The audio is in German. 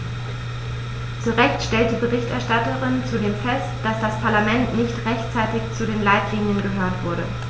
Zu Recht stellt die Berichterstatterin zudem fest, dass das Parlament nicht rechtzeitig zu den Leitlinien gehört wurde.